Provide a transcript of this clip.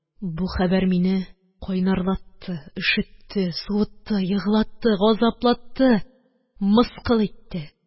Бу хәбәр мине кайнарлатты, өшетте, суытты, еглатты, газаплатты, мыскыл итте.